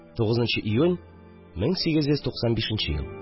9 нчы июнь, 1895 ел